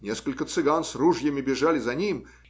Несколько цыган с ружьями бежали за ним.